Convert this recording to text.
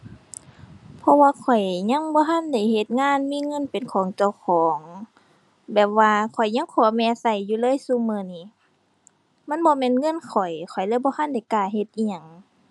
เพราะว่าข้อยยังบ่ทันได้เฮ็ดงานมีเงินเป็นของเจ้าของ แบบว่าข้อยยังขอแม่ใช้อยู่เลยซุมื้อนี้ มันบ่แม่นเงินข้อย ข้อยเลยบ่ทันได้กล้าเฮ็ดอิหยัง